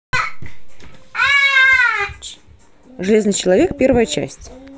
железный человек первая часть